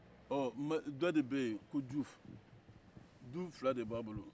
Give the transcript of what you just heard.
ɔ dɔ de bɛ yen ko jufu du fila de b'a bolo